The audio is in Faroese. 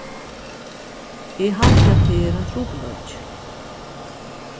eg haldi at tað er ein trupulleiki